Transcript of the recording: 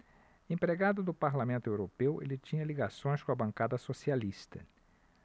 empregado do parlamento europeu ele tinha ligações com a bancada socialista